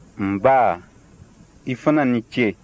nba i fana ni ce